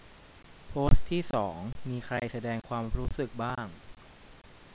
โพสต์ที่สองมีใครแสดงความรู้สึกบ้าง